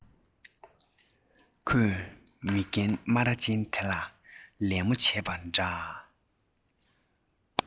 ཁོས མི རྒན སྨ ར ཅན དེ ལ ལད མོ བྱས པ འདྲ